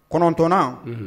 Kɔnɔnt